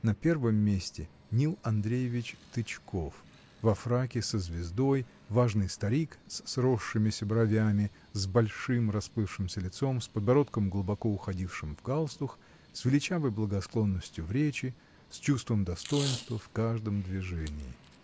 На первом месте Нил Андреевич Тычков, во фраке, со звездой, важный старик, с сросшимися бровями, с большим расплывшимся лицом, с подбородком, глубоко уходившим в галстух, с величавой благосклонностью в речи, с чувством достоинства в каждом движении.